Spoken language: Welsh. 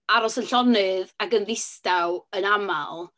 aros yn llonydd ac yn ddistaw yn aml.